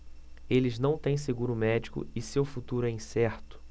eles não têm seguro médico e seu futuro é incerto